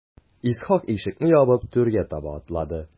Исхак ишекне ябып түргә таба атлады.